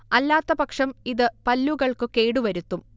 അല്ലാത്ത പക്ഷം ഇത് പല്ലുകൾക്കു കേടു വരുത്തും